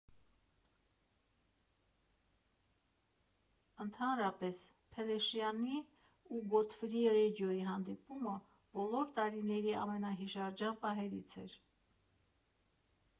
Ընդհանրապես, Փելեշյանի ու Գոթֆրի Ռեջիոյի հանդիպումը բոլորի տարիների ամենահիշարժան պահերից էր։